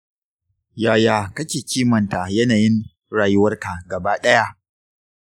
yaya kake kimanta yanayin rayuwarka gaba ɗaya?